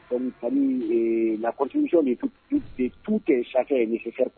C'est à dire l'opportunité d'écouter tout un chacun est necessaire